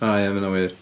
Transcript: O, ia ma' hynna'n wir.